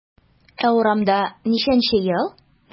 Ә урамда ничәнче ел?